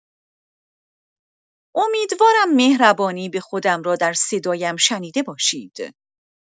امیدوارم مهربانی به خودم را در صدایم شنیده باشید.